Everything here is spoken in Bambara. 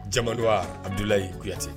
Jamadɔwa adulayi kuyate